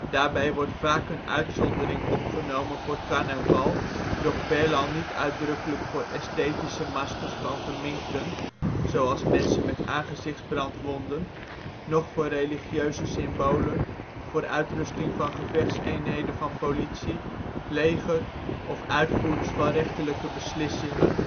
Daarbij wordt vaak een uitzondering opgenomen voor carnaval, doch veelal niet uitdrukkelijk voor esthetische maskers van verminkten, zoals mensen met aangezichtsbrandwonden, noch voor religieuze symbolen, voor uitrusting van gevechtseenheden van politie, leger of uitvoerders van rechterlijke beslissingen